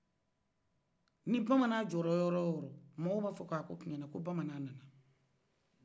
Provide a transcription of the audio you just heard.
ni bamanan jɔla yɔrɔ yɔrɔ mɔgɔw fɔ ko a kuɲana bamanan nana